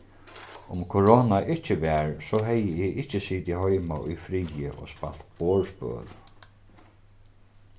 um korona ikki var so hevði eg ikki sitið heima í friði og spælt borðspøl